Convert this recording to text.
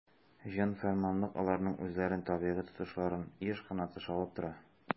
"җан-фәрманлык" аларның үзләрен табигый тотышларын еш кына тышаулап тора.